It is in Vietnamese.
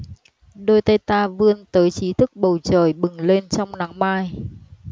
đôi tay ta vươn tới trí thức bầu trời bừng lên trong nắng mai